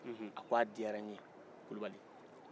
unhun o diyara n ye kulubali